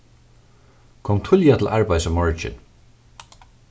kom tíðliga til arbeiðis í morgin